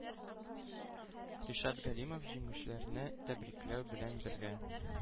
Ришат Галимов җиңүчеләрне тәбрикләү белән бергә,